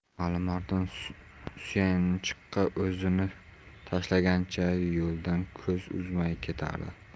alimardon suyanchiqqa o'zini tashlagancha yo'ldan ko'z uzmay ketardi